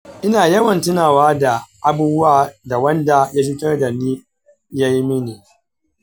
ina yawan tunawa da abubuwan da wanda ya cutar da ni ya yi mini.